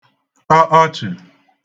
tọ ọchị̀